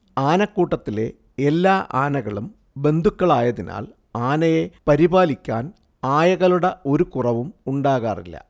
ആനക്കൂട്ടത്തിലെ എല്ലാ ആനകളും ബന്ധുക്കളായതിനാൽ ആനയെ പരിപാലിക്കാൻ ആയകളുടെ ഒരു കുറവും ഉണ്ടാകാറില്ല